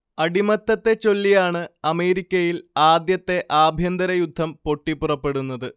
അടിമത്തത്തെച്ചൊല്ലിയാണ് അമേരിക്കയിൽ ആദ്യത്തെ ആഭ്യന്തര യുദ്ധം പൊട്ടിപ്പുറപ്പെടുന്നത്